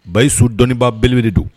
Ba yssouf dɔnniibaa bele bele don